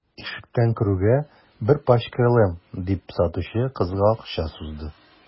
Ишектән керүгә: – Бер пачка «LM»,– дип, сатучы кызга акча сузды.